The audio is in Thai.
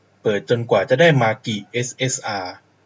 เปิดจนกว่าจะได้มากิเอสเอสอา